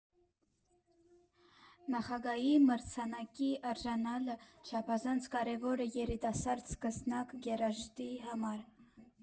Նախագահի մրցանակի արժանանալը չափազանց կարևոր է երիտասարդ սկսնակ երաժշտի համար։